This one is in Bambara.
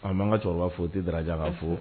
A manan ka cɛkɔrɔba fo tɛjaka fo